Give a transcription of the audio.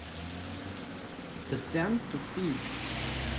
the dent тупит